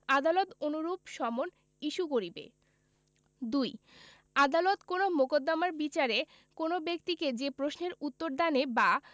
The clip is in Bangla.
আদালত অনুরূপ সমন ইস্যু করিবে ২ আদালত কোন মোকদ্দমার বিচারে কোন ব্যক্তিকে যে প্রশ্নের উত্তরদানে বা